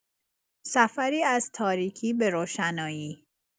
سفری از تاریکی به روشنایی.